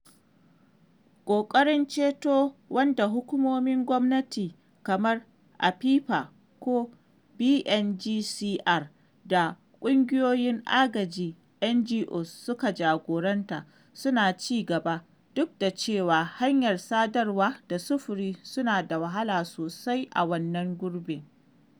Ƙoƙarin ceto wanda hukumomin gwamnati kamar Apipa ko BNGCR da Ƙungiyoyin Agaji (NGOs) suka jagoranta suna ci gaba, duk da cewa hanyar sadarwa da sufuri suna da wahala sosai a wannan gurbi.